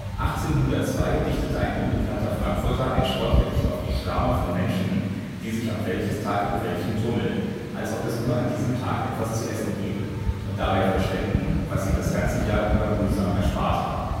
1802 dichtete ein unbekannter Frankfurter ein Spottgedicht auf die Schwärme von Menschen, die sich am Wäldchestag im Wäldchen tummeln, als ob es nur an diesem Tag etwas zu essen gäbe, und dabei verschwenden, was sie das ganze Jahr über mühsam erspart haben